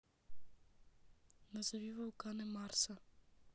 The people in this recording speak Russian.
назови вулканы марса